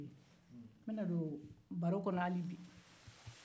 n bɛna don baro kɔnɔ hali bi